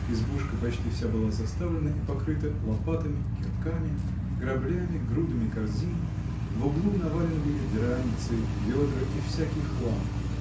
Избушка почти вся была заставлена и покрыта лопатами, кирками, граблями, грудами корзин, в углу навалены были драницы, ведра и всякий хлам.